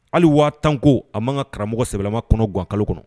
Hali waa tanko a man kan ka karamɔgɔ sɛbɛnbɛlama kɔnɔ gan kalo kɔnɔ